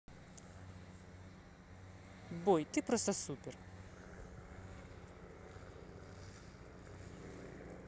бой ты просто супер